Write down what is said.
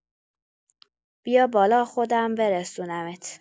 بیا بالا خودم برسونمت.